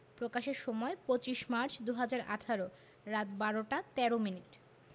প্রকাশের সময় ২৫মার্চ ২০১৮ রাত ১২ টা ১৩ মিনিট